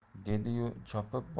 dedi yu chopib